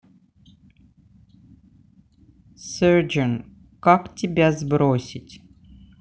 surgeon как тебя сбросить